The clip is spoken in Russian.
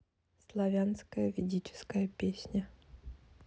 славянская ведическая песня